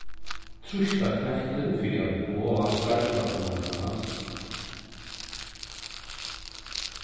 trýst á knøttin fyri at boða starvsfólkunum frá